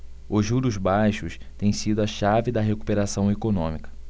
os juros baixos têm sido a chave da recuperação econômica